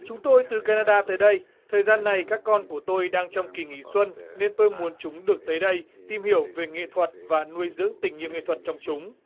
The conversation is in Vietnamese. chúng tôi từ ca na đa tới đây thời gian này các con của tôi đang trong kỳ nghỉ xuân nên tôi muốn chúng được tới đây tìm hiểu về nghệ thuật và nuôi dưỡng tình yêu nghệ thuật trong chúng